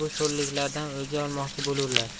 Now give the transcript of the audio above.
bu sho'rliklardan o'lja olmoqchi bo'lurlar